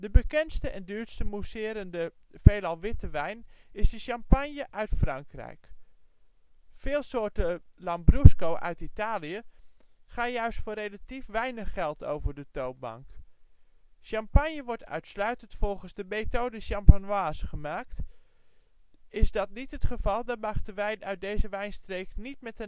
bekendste (en duurste) mousserende (veelal witte) wijn is de Champagne uit Frankrijk. Veel soorten lambrusco uit Italië gaan juist voor relatief weinig geld over de toonbank. Champagne wordt uitsluitend volgens de méthode champenoise gemaakt. Is dat niet het geval, dan mag de wijn uit deze wijnstreek niet met